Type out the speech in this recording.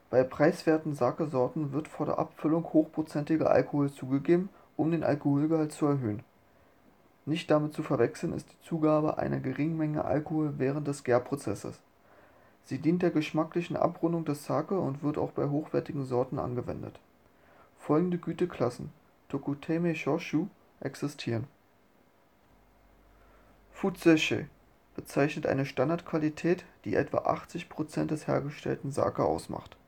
Bei preiswerten Sake-Sorten wird vor der Abfüllung hochprozentiger Alkohol zugegeben, um den Alkoholgehalt zu erhöhen. Nicht damit zu verwechseln ist die Zugabe einer geringen Menge Alkohol während des Gärprozesses. Sie dient der geschmacklichen Abrundung des Sake und wird auch bei hochwertigen Sorten angewendet. Folgende Güteklassen Tokutei Meishō-shu (特定名称酒) existieren: Futsū-shu (普通酒) bezeichnet eine Standard-Qualität, die etwa 80 % des hergestellten Sake ausmacht